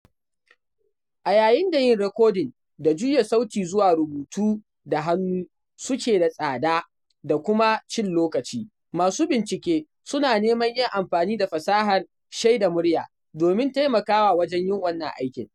A yayin da yin rikodin da juya sauti zuwa rubutu da hannu suke da tsada da kuma cin lokaci, masu bincike suna neman yin amfani da fasahar shaida murya domin taima kawa wajen yin wannan aikin.